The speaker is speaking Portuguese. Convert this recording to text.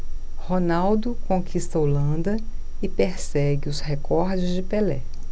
ronaldo conquista a holanda e persegue os recordes de pelé